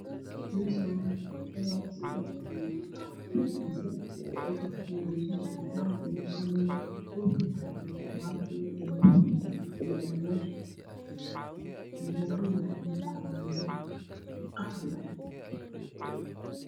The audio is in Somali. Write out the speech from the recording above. Meeshaan waa dabaq seddex biyaano ah kalarkiisu waa cadaan iyo qalin. Dhulkana waa yaalo dhagax iyo alwaax. Albaabkuna waa qaxwi.